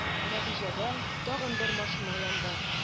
Нәтиҗәдә, тагын бер машина янды.